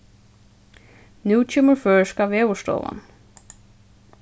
nú kemur føroyska veðurstovan